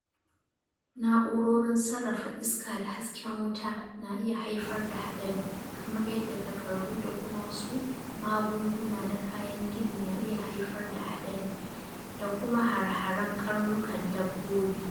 Na'urorin sarrafa iska da hasken wuta na iya haifar da haɗari, kamar yadda takardu da kuma wasu magunguna na kayan gini na iya haifar da haɗari, da kuma hare-haren karnukan dabbobi.